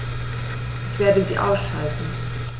Ich werde sie ausschalten